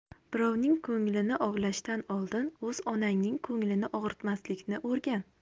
birovning ko'nglini ovlashdan oldin o'z onangning ko'nglini og'ritmaslikni o'rgan